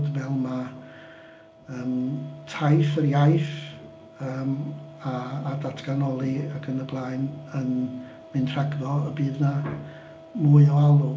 Fel ma' yym taith yr iaith yym a a datganoli ac yn y blaen yn mynd rhagddo y bydd 'na mwy o alw.